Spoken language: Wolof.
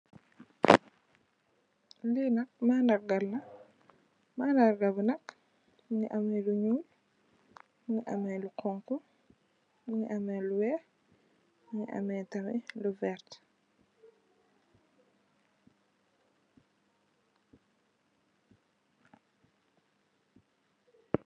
Lii nak mandarr gah la, mandarr gah bii nak mungy ameh lu njull, mu ameh lu khonku, mungy ameh lu wekh, mungy ameh tamit lu vertue.